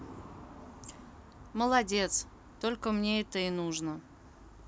молодец только мне это не нужно